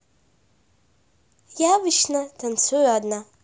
я обычно танцую одна